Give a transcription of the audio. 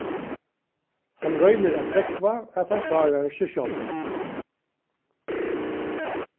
hann roynir at prógva at hann klárar seg sjálvan